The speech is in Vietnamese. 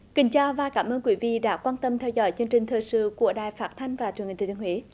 kính chào và cảm ơn quý vị đã quan tâm theo dõi chương trình thời sự của đài phát thanh và truyền hình thừa thiên huế